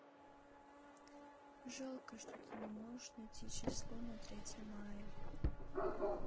жалко что ты не можешь найти число на третье мая